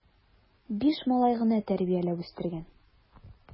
Биш малай гына тәрбияләп үстергән!